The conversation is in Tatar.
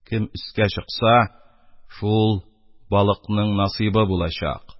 Кем өскә чыкса, шул балыкның насыйбы булачак.